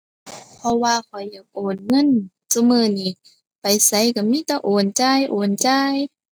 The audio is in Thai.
เพราะว่าข้อยอยากโอนเงิน ซุมื้อนี้ไปไสก็มีแต่โอนจ่าย โอนจ่าย